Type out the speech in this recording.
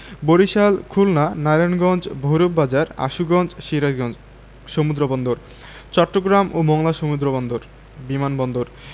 বরিশাল খুলনা নারায়ণগঞ্জ ভৈরব বাজার আশুগঞ্জ সিরাজগঞ্জ সমুদ্রবন্দরঃ চট্টগ্রাম এবং মংলা সমুদ্রবন্দর বিমান বন্দরঃ